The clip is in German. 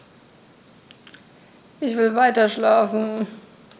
Ich will weiterschlafen.